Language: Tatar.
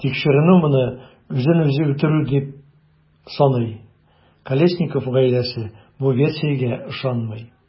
Тикшеренү моны үзен-үзе үтерү дип саный, Колесников гаиләсе бу версиягә ышанмый.